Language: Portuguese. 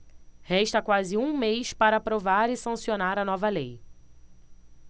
resta quase um mês para aprovar e sancionar a nova lei